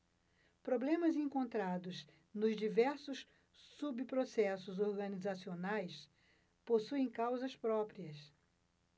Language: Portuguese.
problemas encontrados nos diversos subprocessos organizacionais possuem causas próprias